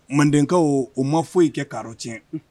Mandenkaw u ma foyi ye kɛ karɔ tiɲɛ